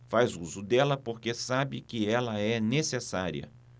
faz uso dela porque sabe que ela é necessária